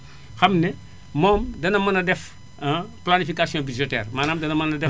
xam ne moom dana mën a def planification budgétaire maanaam dana mën a def